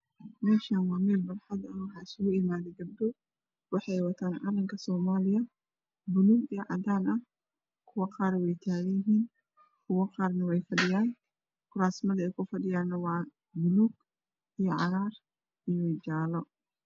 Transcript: Meeshan waa meel barxada ah waxaa isuhu imaaday gabdho badan waxay wataan calanka soomaliya buluug iyo cadaan ah kuwo qaar waytaaganyihiin kuwo qaarna way fa dhiyaan kuuraasmada ay ku fadhiyaana waa buluug iyo cagaar iyo jaale